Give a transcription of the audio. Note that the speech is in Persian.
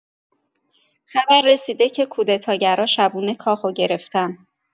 خبر رسیده که کودتاگرا شبونه کاخ رو گرفتن.